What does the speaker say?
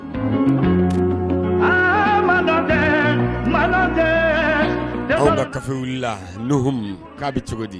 Mafe wili k'a bɛ cogo di